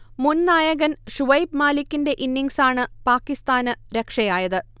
മുൻ നായകൻ ഷുഐബ് മാലിക്കിന്റെ ഇന്നിങ്സാണ് പാകിസ്താന് രക്ഷയായത്